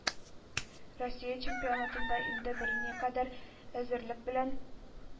Россия чемпионатында инде берникадәр әзерлек белән